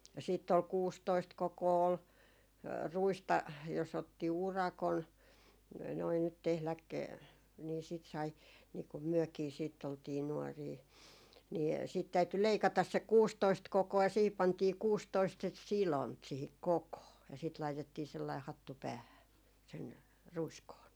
ja sitten oli kuusitoista kokoa oli ruista jos otti urakan noin nyt tehdä niin sitten sai niin kun mekin sitten oltiin nuoria niin sitten täytyi leikata se kuusitoista kokoa ja siihen pantiin kuusitoista sitten sidonta siihen kokoon ja sitten laitettiin sellainen hattu päähän sen ruiskoon